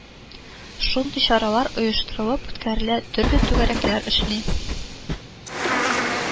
Шундый чаралар оештырылып үткәрелә, төрле түгәрәкләр эшли